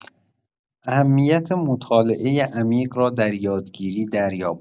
اهمیت مطالعه عمیق را در یادگیری دریاب.